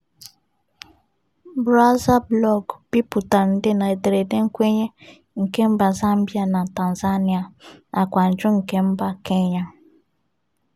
Baraza blọọgụ bipụtara ndịna ederede nkwenye nke mba Zambia na Tanzania nakwa njụ nke mba Kenya.